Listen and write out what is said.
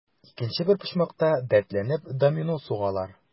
Икенче бер почмакта, дәртләнеп, домино сугалар.